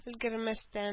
Өлгермәстән